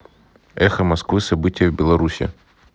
эхо москвы события в беларуси